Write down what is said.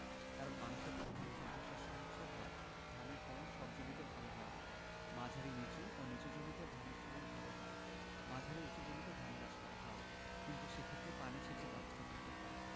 কারন মানুষের প্রধান খাদ্যশস্য হলো ভাত ধানের ফলন সব জমিতে ভালো হয় না মাঝারি নিচু ও নিচু জমিতে ধানের ফলন ভালো হয় মাঝারি উচু জমিতেও ধান চাষ করা হয় কিন্তু সেক্ষেত্রে পানি সেচের ব্যাবস্থা করতে হয়